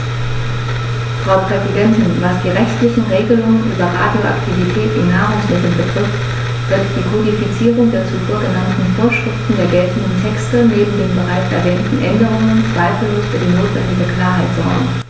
Frau Präsidentin, was die rechtlichen Regelungen über Radioaktivität in Nahrungsmitteln betrifft, wird die Kodifizierung der zuvor genannten Vorschriften der geltenden Texte neben den bereits erwähnten Änderungen zweifellos für die notwendige Klarheit sorgen.